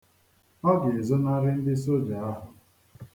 Ọ ga-ezonari ndị soja ahụ.